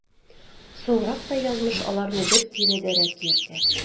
Соңрак та язмыш аларны бер тирәдәрәк йөртә.